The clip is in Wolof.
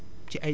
dëgg la